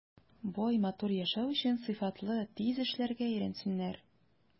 Бай, матур яшәү өчен сыйфатлы, тиз эшләргә өйрәнсеннәр.